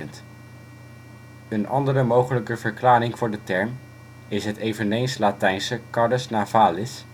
andere mogelijke verklaring voor de term is het eveneens Latijnse carrus navalis